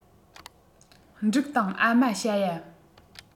འབྲུག དང ཨ རྨ བྱ ཡ